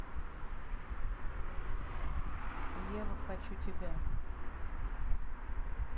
ева хочу тебя